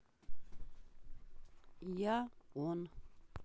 я он